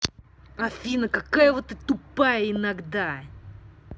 афина какая вот ты тупая иногда